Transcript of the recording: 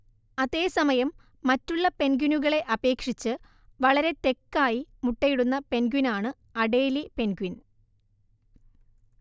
അതേസമയം മറ്റുള്ള പെൻഗ്വിനുകളെ അപേക്ഷിച്ച് വളരെ തെക്കായി മുട്ടയിടുന്ന പെൻഗ്വിനാണ് അഡേലി പെൻഗ്വിൻ